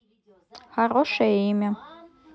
хорошее имя